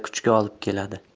kuchga olib keladi